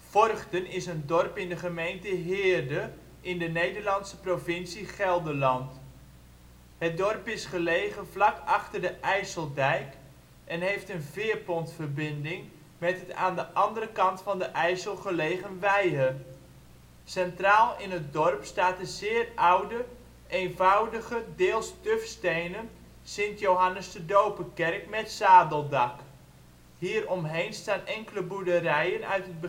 Vorchten is een dorp in de gemeente Heerde in de Nederlandse provincie Gelderland. Het dorp is gelegen vlak achter de IJsseldijk en heeft een veerpont-verbinding met het aan de andere kant van de IJssel gelegen Wijhe. Centraal in het dorp staat een zeer oude eenvoudige, deels tufstenen (St. Johannes de Doper) kerk met zadeldak. Hier omheen staan enkele boerderijen uit